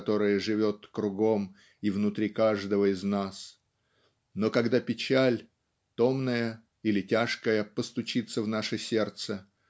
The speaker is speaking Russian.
которое живет кругом и внутри каждого из нас. Но когда печаль томная или тяжкая постучится в наше сердце